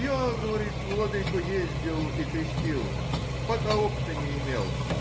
— Я,— говорит,— владыко, ездил и крестил, пока опыта не имел.